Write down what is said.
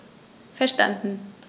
Verstanden.